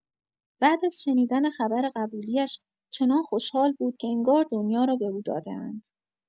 بعد از شنیدن خبر قبولی‌اش، چنان خوشحال بود که انگار دنیا را به او داده‌اند.